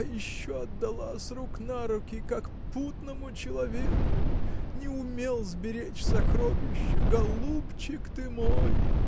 А еще отдала с рук на руки, как путному человеку! Не умел сберечь сокровища! Голубчик ты мой!.